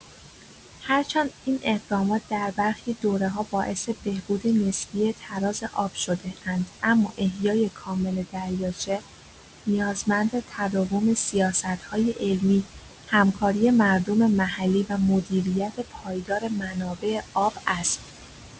هرچند این اقدامات در برخی دوره‌ها باعث بهبود نسبی تراز آب شده‌اند، اما احیای کامل دریاچه نیازمند تداوم سیاست‌های علمی، همکاری مردم محلی و مدیریت پایدار منابع آب است.